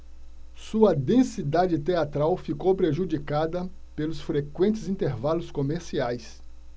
sua densidade teatral ficou prejudicada pelos frequentes intervalos comerciais